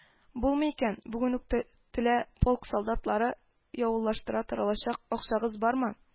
- булмый икән, бүген үк теклә полк солдатлары явылларьша таралачак. акчагыз бармы